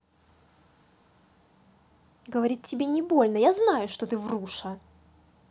говорит тебе не больно я знаю что ты вруша